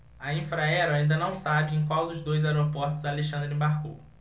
a infraero ainda não sabe em qual dos dois aeroportos alexandre embarcou